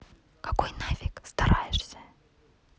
какой нафиг стараешься